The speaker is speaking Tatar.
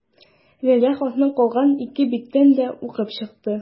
Ләлә хатның калган ике битен дә укып чыкты.